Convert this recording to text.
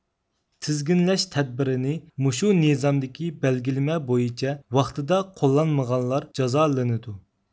تىزگىنلەش تەدبىرىنى مۇشۇ نىزامدىكى بەلگىلىمە بويىچە ۋاقتىدا قوللانمىغانلار جازالىنىدۇ